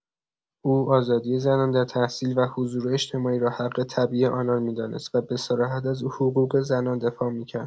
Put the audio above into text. او آزادی زنان در تحصیل و حضور اجتماعی را حق طبیعی آنان می‌دانست و به صراحت از حقوق زنان دفاع می‌کرد.